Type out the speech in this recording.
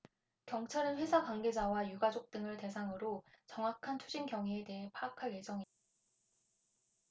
경찰은 회사 관계자와 유가족 등을 대상으로 정확한 투신 경위에 대해 파악할 예정이다